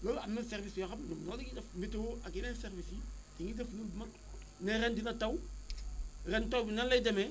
loolu am na services yoo xam ne ñoom loolu la ñuy def météo ak yeneen services yi dañuy def lël bu mag ne ren dina taw ren taw bi nan lay demee